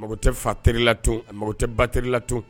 Mago tɛ fa terikɛla to mago tɛ ba terikɛla to